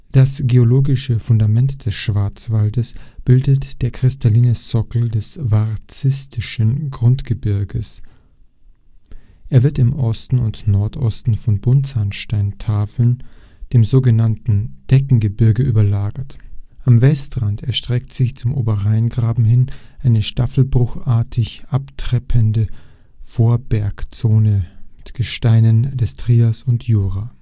Das geologische Fundament des Schwarzwalds bildet der kristalline Sockel des variszischen Grundgebirges. Er wird im Osten und Nordosten von Buntsandsteintafeln, dem sogenannten Deckgebirge, überlagert. Am Westrand erstreckt sich zum Oberrheingraben hin eine staffelbruchartig abtreppende Vorbergzone mit Gesteinen des Trias und Jura